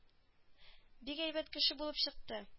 Бик әйбәт кеше булып чыкты